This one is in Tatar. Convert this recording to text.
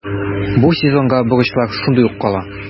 Бу сезонга бурычлар шундый ук кала.